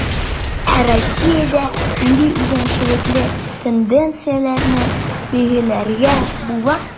Ә Россиядә нинди үзенчәлекле тенденцияләрне билгеләргә була?